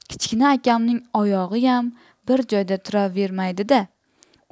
kichkina akamning oyog'iyam bir joyda turavermaydida